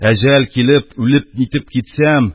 Әҗәл килеп, үлеп-нитеп китсәм,